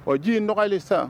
Ɔ ji in dɔgɔyalen sisan